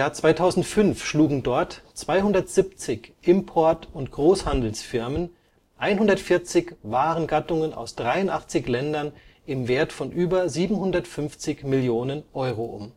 2005 schlugen dort 270 Import - und Großhandelsfirmen 140 Warengattungen aus 83 Ländern im Wert von über 750 Millionen. Euro